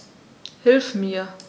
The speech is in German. Hilf mir!